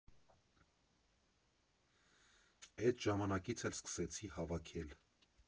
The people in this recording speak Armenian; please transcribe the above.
Էդ ժամանակից էլ սկսեցի հավաքել։